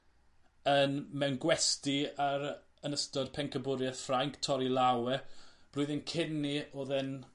yn mewn gwesty ar yn ystod pencampwrieth Ffrainc torri law e. Blwyddyn cyn 'ny odd e'n